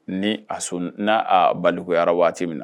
Ni a sɔnna n'a a balikuyara waati min na